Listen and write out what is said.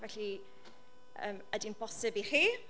Felly yym ydy hi'n bosib i chi?